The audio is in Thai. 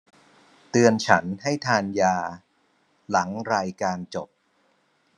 เตือนฉันให้ทานยาหลังรายการจบ